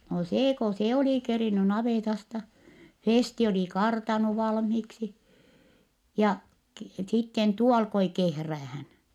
no se kun se oli kerinnyt navetasta Festi oli kartannut valmiiksi ja - sitten tuo alkoi kehräämään